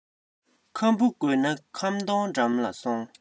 ཁམ བུ དགོས ན ཁམ སྡོང འགྲམ ལ སོང